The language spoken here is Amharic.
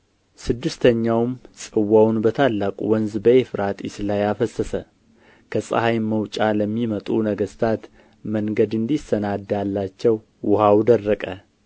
ስድስተኛውም ጽዋውን በታላቁ ወንዝ በኤፍራጥስ ላይ አፈሰሰ ከፀሐይም መውጫ ለሚመጡ ነገሥታት መንገድ እንዲሰናዳላቸው ውኃው ደረቀ